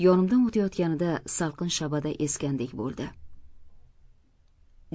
yonimdan o'tayotganida salqin shabada esgandek bo'ldi